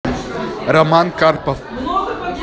роман карпов